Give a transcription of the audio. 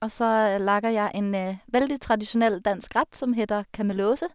Og så laget jeg en veldig tradisjonell dansk rett som heter Kamelose.